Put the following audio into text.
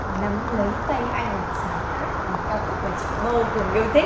nắm lấy tay anh một sáng tác một ca khúc mà chị vô cùng yêu thích